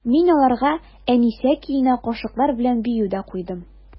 Мин аларга «Әнисә» көенә кашыклар белән бию дә куйдым.